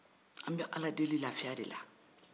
an bɛ ala deli lafiya de la